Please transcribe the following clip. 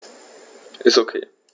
Ist OK.